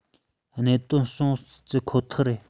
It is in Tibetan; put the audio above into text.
གནད དོན འབྱུང སྲིད ཀྱི ཁོ ཐག རེད